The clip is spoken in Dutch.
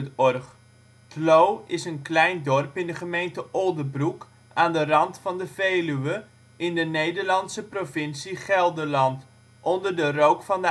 OL ' t Loo is een klein dorp in de gemeente Oldebroek aan de rand van de Veluwe, in de Nederlandse provincie Gelderland, onder de rook van